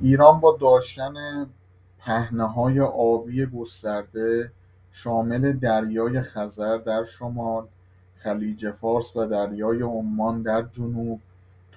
ایران با داشتن پهنه‌های آبی گسترده شامل دریای‌خزر در شمال، خلیج‌فارس و دریای عمان در جنوب،